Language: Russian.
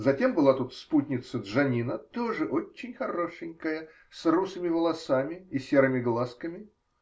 Затем, была тут спутница Джаннино, тоже очень хорошенькая, с русыми волосами и серыми глазками.